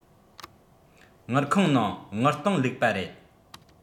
དངུལ ཁང ནང དངུལ སྟེང བླུགས པ རེད